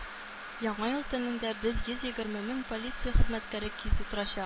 Яңа ел төнендә без йөз егерме мең полиция хезмәткәре кизү торачак.